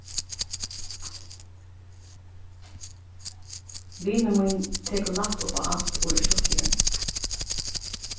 vinur mín tekur lætt upp á alt og er stuttligur